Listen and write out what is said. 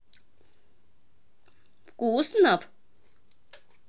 вкуснов